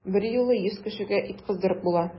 Берьюлы йөз кешегә ит кыздырып була!